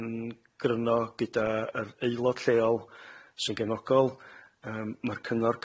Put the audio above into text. yn gryno gyda yr aelod lleol sy'n gefnogol yym ma'r cyngor